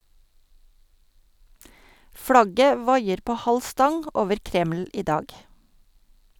Flagget vaier på halv stang over Kreml i dag.